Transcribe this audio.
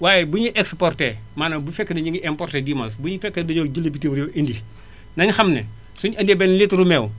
waaye buñuy exporté maanaam bu fekkee ñu ngi importé dis moins bu ñu fekkee dañoo jëndee bitim réew indi nañu xam ne suñu àndee benn litre meew